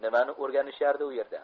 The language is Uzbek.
nimani o'rganishardi u yerda